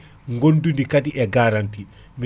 gondudi kaadi e garanti